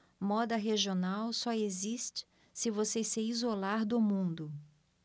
moda regional só existe se você se isolar do mundo